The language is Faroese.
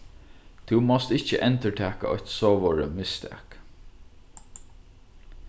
tú mást ikki endurtaka eitt sovorðið mistak